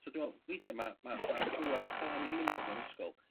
So dw me'wl weithia' ma' ma' ma' pŵar ca'l anifeiliad mewn ysgol